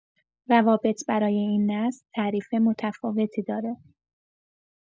روابط برای این نسل تعریف متفاوتی داره.